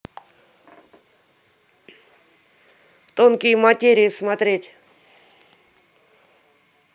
тонкие материи смотреть